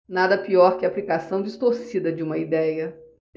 nada pior que a aplicação distorcida de uma idéia